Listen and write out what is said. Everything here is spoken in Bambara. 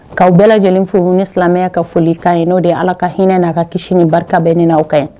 'aw bɛɛ lajɛlen fo ni silamɛya ka foli kan ye no de ye ala ka hinɛinɛ'a ka kisi ni barika bɛɛ n aw kɛ yan